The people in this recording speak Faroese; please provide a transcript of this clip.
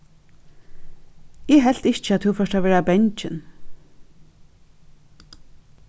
eg helt ikki at tú fór at vera bangin